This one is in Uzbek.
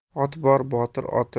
oti bor botir